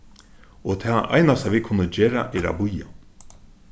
og tað einasta vit kunnu gera er at bíða